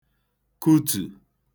kụtù